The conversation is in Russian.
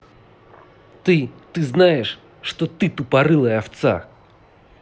ты ты знаешь что ты тупорылая овца